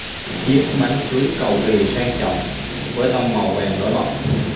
chiếc bánh cưới cầu kỳ sang trọng với tông màu vàng nổi bật